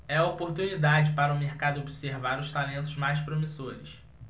é a oportunidade para o mercado observar os talentos mais promissores